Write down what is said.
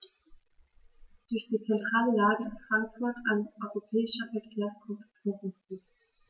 Durch die zentrale Lage ist Frankfurt ein europäischer Verkehrsknotenpunkt.